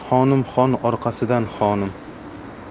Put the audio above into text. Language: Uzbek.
xonim xon orqasidan xonim